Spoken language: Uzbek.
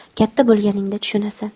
katta bo'lganingda tushunasan